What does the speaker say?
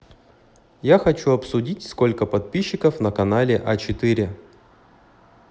я хочу обсудить сколько подписчиков на канале а четыре